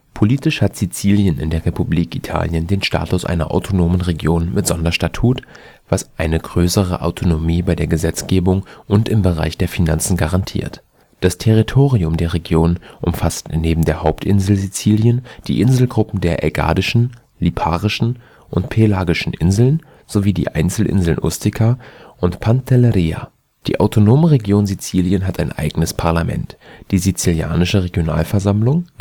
Politisch hat Sizilien in der Republik Italien den Status einer autonomen Region mit Sonderstatut, was eine größere Autonomie bei der Gesetzgebung und im Bereich der Finanzen garantiert. Das Territorium der Region umfasst neben der Hauptinsel Sizilien die Inselgruppen der Ägadischen, Liparischen und Pelagischen Inseln sowie die Einzelinseln Ustica und Pantelleria. Die Autonome Region Sizilien hat ein eigenes Parlament, die Sizilianische Regionalversammlung